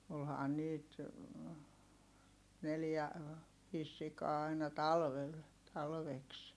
olihan niitä neljä viisi sikaa aina talvella talveksi